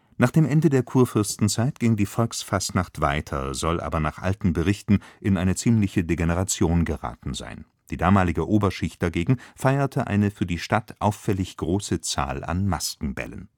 Nach dem Ende der Kurfürstenzeit ging die Volksfastnacht weiter, soll aber nach alten Berichten in eine ziemliche Degeneration geraten sein. Die damalige Oberschicht dagegen feierte eine für die Stadt auffällig große Zahl an Maskenbällen